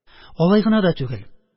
Алай гына да түгел